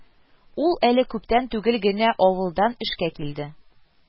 Ул әле күптән түгел генә авылдан эшкә килде